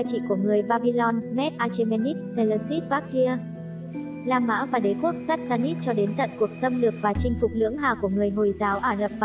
dưới sự cai trị của người babylon medes achaemenid seleucid parthia la mã và đế quốc sassanid cho đến tận cuộc xâm lược và chinh phục lưỡng hà của người hồi giáo ả rập